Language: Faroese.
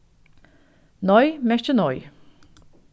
nei merkir nei